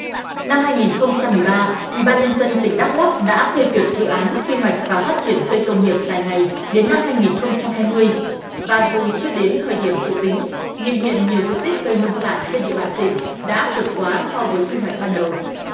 năm hai nghìn không trăm mười ba ủy ban nhân dân tỉnh đắc lắc đã phê duyệt dự án quy hoạch và phát triển cây công nghiệp dài ngày đến năm hai nghìn không trăm hai mươi và dù chưa đến thời điểm dự tính nhưng hiện nhiều diện tích cây nông sản trên địa bàn tỉnh đã vượt quá so với quy hoạch ban đầu